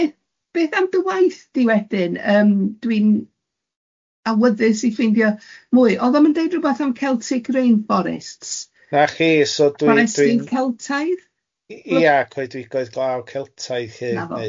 Beth beth am dy waith di wedyn? Yym dwi'n awyddys i ffeindio mwy, oedd o'm yn deud rhywbeth am Celtic rainforests?. Na chi so dwi dwi... Fforestydd Celtaidd? Ia coedwigoedd glaw Celtaidd lly. Nafo